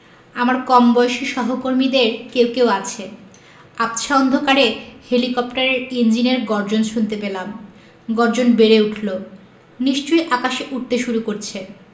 আমার কমবয়সী সহকর্মীদের কেউ কেউ আছে আবছা অন্ধকারে হেলিকপ্টারের ইঞ্জিনের গর্জন শুনতে পেলাম গর্জন বেড়ে উঠলো নিশ্চয়ই আকাশে উড়তে শুরু করছে